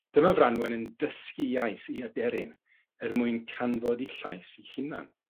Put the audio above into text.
Dyma Franwen yn dysgu iaith i aderyn er mwyn canfod 'i llais 'i hunan.